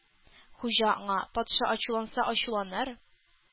Хуҗа аңа: Патша ачуланса ачуланыр,